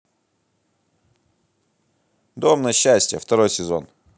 дом на счастье второй сезон